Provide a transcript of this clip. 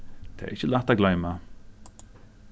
tað er ikki lætt at gloyma